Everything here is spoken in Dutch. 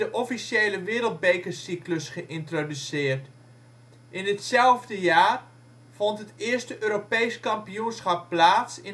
officiële wereldbekercyclus geïntroduceerd. In ditzelfde jaar vond het eerste Europees kampioenschap plaats